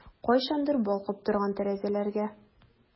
Кайчандыр балкып торган тәрәзәләргә...